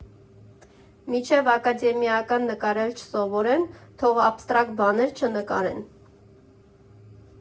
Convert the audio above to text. Մինչև ակադեմիական նկարել չսովորեն, թող աբստրակտ բաներ չնկարեն։